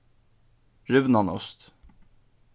rivnan ost